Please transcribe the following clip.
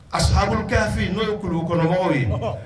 A sɔrɔfi yen n'o ye kulukɔnɔmɔgɔw ye